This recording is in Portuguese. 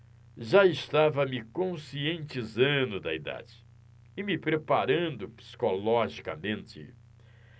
já estava me conscientizando da idade e me preparando psicologicamente